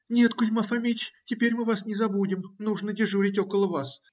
- Нет, Кузьма Фомич, теперь мы вас не забудем: нужно дежурить около вас.